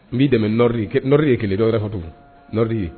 N b'i dɛmɛ n nɔrɔ ye kelen dɔwtu n ye